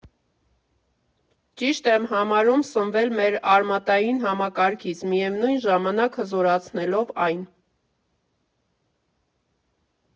Ճիշտ եմ համարում սնվել մեր արմատային համակարգից՝ միևնույն ժամանակ հզորացնելով այն։